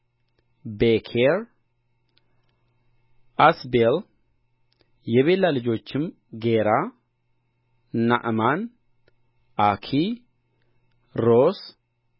በመስጴጦምያ በሶርያ ለያዕቆብ የወለደቻቸው ልጆችና ሴቲቱ ልጅዋ ዲና እነዚህ ናቸው